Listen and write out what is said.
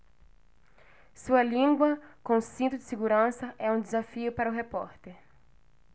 sua língua com cinto de segurança é um desafio para o repórter